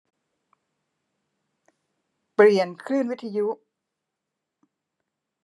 เปลี่ยนคลื่นวิทยุ